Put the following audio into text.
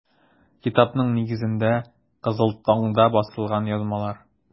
Китапның нигезендә - “Кызыл таң”да басылган язмалар.